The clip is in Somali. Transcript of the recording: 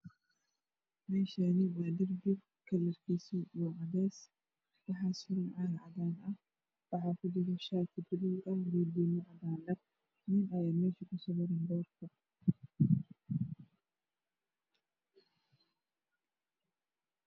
Meshani waa dirbi kalarkis waa cades waxa suran caag cadan ah waxa kujiro shati balug ah didimo cagaran nin aya mesha kusawiran boorka